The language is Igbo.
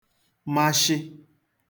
mashị